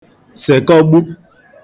sèkọgbu